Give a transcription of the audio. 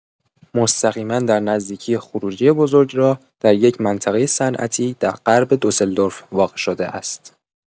مستقیما در نزدیکی خروجی بزرگراه، در یک منطقه صنعتی در غرب دوسلدورف واقع شده است.